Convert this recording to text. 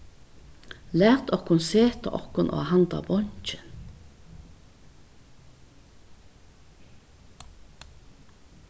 lat okkum seta okkum á handan bonkin